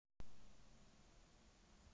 очень нравится